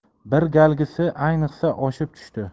bir galgisi ayniqsa oshib tushdi